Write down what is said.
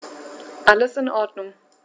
Alles in Ordnung.